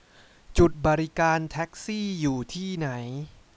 จุดบริการแท็กซี่อยู่ที่ไหน